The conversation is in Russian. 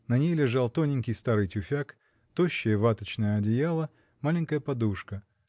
На ней лежал тоненький старый тюфяк, тощее ваточное одеяло, маленькая подушка.